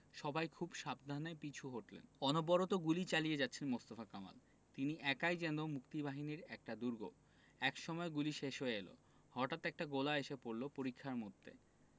সবাই খুব সাবধানে পিছু হটলেন অনবরত গুলি চালিয়ে যাচ্ছেন মোস্তফা কামাল তিনি একাই যেন মুক্তিবাহিনীর একটা দুর্গ একসময় গুলি শেষ হয়ে গেল হটাৎ একটা গোলা এসে পড়ল পরিখার মধ্যে